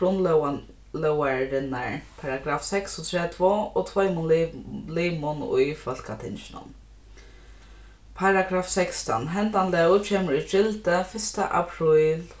lógarinnar paragraf seksogtretivu og tveimum limum í fólkatinginum paragraf sekstan hendan lóg kemur í gildi fyrsta apríl